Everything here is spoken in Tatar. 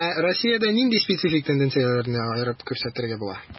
Ә Россиядә нинди специфик тенденцияләрне аерып күрсәтергә була?